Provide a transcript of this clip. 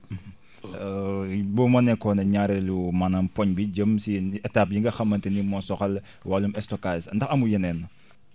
boobu moo nekkoon ñaareelu maanaam poñ bi jëm si li étape yi nga xamante ni moo soxal wàllum stockage ndax amul yeneen